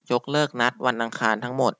ยกเลิกนัดวันอังคารทั้งหมด